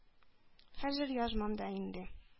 Хәзер язмам да инде.